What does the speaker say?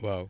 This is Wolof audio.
waaw